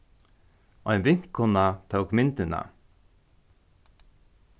ein vinkona tók myndina